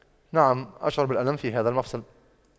نعم أشعر بالألم في هذا المفصل